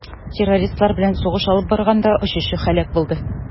Террористлар белән сугыш алып барганда очучы һәлак булды.